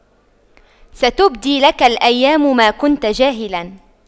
ستبدي لك الأيام ما كنت جاهلا